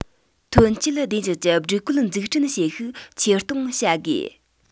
ཐོན སྐྱེད བདེ འཇགས ཀྱི སྒྲིག བཀོད འཛུགས སྐྲུན བྱེད ཤུགས ཆེར གཏོང བྱ དགོས